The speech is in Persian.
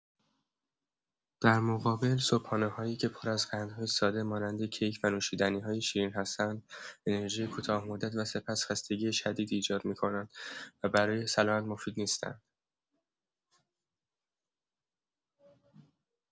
در مقابل، صبحانه‌هایی که پر از قندهای ساده مانند کیک و نوشیدنی‌های شیرین هستند، انرژی کوتاه‌مدت و سپس خستگی شدید ایجاد می‌کنند و برای سلامت مفید نیستند.